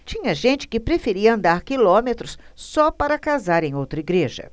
tinha gente que preferia andar quilômetros só para casar em outra igreja